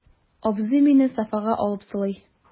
Абзый мине софага алып сылый.